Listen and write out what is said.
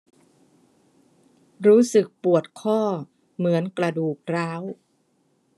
รู้สึกปวดข้อเหมือนกระดูกร้าว